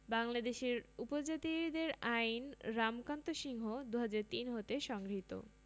বাংলাদেশের উপজাতিদের আইন রামকান্ত সিংহ ২০০৩ হতে সংগৃহীত